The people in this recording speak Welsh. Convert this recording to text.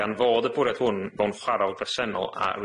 Gan fod y bwriad hwn mewn chwarel bresennol a